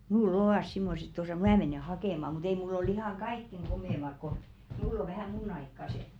minulla ovat semmoiset tuossa minä menen hakemaan mutta ei minulla ole ihan kaikkein komeimmat kun minulla on vähän minun aikaiset